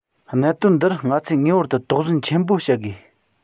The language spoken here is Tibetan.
གནད དོན འདིར ང ཚོས ངེས པར དུ དོགས ཟོན ཆེན པོ བྱ དགོས